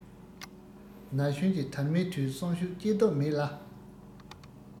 ན གཞོན གྱི དར མའི དུས གསོན ཤུགས སྐྱེ སྟོབས མེད ལ